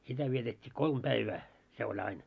sitä vietettiin kolme päivää se oli aina